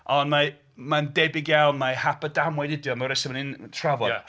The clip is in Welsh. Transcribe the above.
Ond mae... mae'n debyg iawn, mae hap a damwain ydi o mewn rhesymau ni'n trafod.